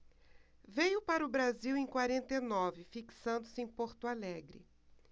veio para o brasil em quarenta e nove fixando-se em porto alegre